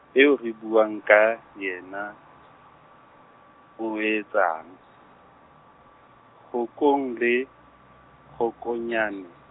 eo re buang ka, yena, o etsang? Kgokong le Kgokanyana.